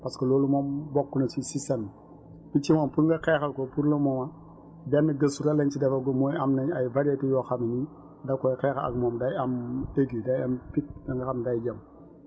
parce que loolu moom bokk na ci système bi picc moom pour nga xeexal ko pour le moment benn gëstu rekk lañ si defagum mooy am nañ ay variétés yoo xam ni nga koy xeex ak moom day am aigu day am pique ba nga xam day jam